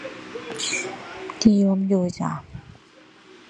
นิยมอยู่จ้ะ